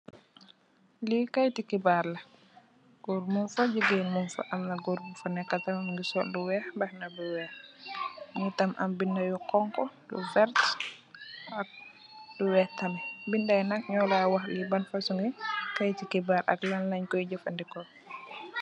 Li kayiti xibarr la, gór mung fa jigeen mung fa, am na gór gu fa nekka tamid mugi sol lu wèèx mbàxna bu wèèx. Mugii tam am bindé yu xonxu, yu werta ak yu wèèx tamit. Bindé yi nak ñu la wax li ban fasungi kayiti xibarr la ak lan lañ koy jafandiko .